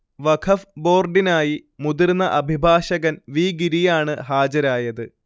വഖഫ് ബോർഡിനായി മുതിർന്ന അഭിഭാഷകൻ വി ഗിരിയാണ് ഹാജരായത്